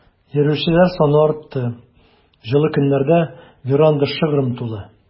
Йөрүчеләр саны артты, җылы көннәрдә веранда шыгрым тулы.